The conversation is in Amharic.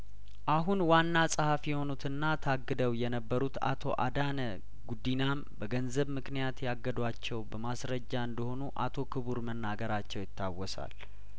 አሁን ዋና ጸሀፊ የሆኑትና ታግደው የነበሩት አቶ አዳነ ጉዲናም በገንዘብ ምክንያት ያገዷቸው በማስረጃ እንደሆኑ አቶ ክቡር መናገራቸው ይታወሳል